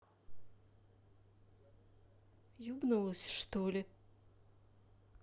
ебнулась что ли